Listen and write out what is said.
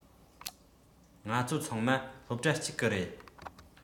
ང ཚོ ཚང མ སློབ གྲྭ གཅིག གི རེད